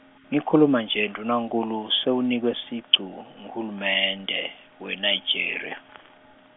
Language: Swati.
ngikhuluma nje ndvunankhulu, sewunikwe sicu, nguhulumende, weNigeria.